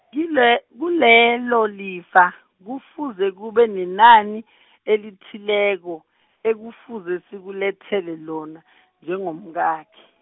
kile- kilelo lifa, kufuze kube nenani , elithileko, ekufuze sikulethele lona, njengomkakhe.